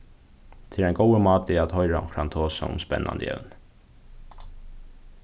tað er ein góður máti at hoyra onkran tosa um spennandi evni